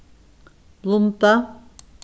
blunda